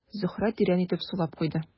Зөһрә тирән итеп сулап куйды.